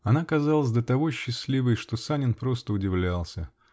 Она казалась до того счастливой, что Санин просто удивлялся